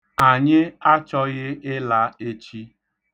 Anyị achọghị ịla echi.